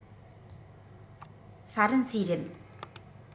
ཧྥ རན སིའི རེད